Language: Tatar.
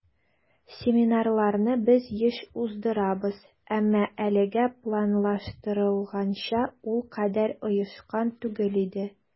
Семинарларны без еш уздырабыз, әмма әлегә планлаштырылганча ул кадәр оешкан түгел иде.